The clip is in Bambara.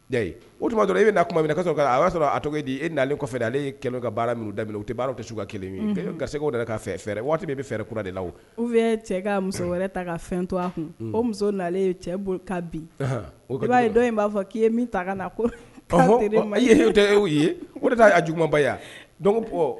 O dɔrɔn i bɛna na kuma mina a y'a sɔrɔ a tɔgɔ di e nalen kɔfɛ ale ye kɛlɛ ka baara min da u tɛ baara ka kelen gari fɛɛrɛ waati bɛ fɛ kura de la cɛ ka muso wɛrɛ ta fɛn to kun muso cɛ in b'a fɔ k'i ye min ta na ye juguba